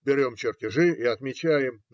Берем чертежи и отмечаем.